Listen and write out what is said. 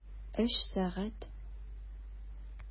Өч сәгать!